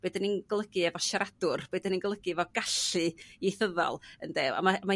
Be 'da ni'n golygu efo siaradwr? Be 'da ni'n golygu efo gallu ieithyddol? Ynde? A ma'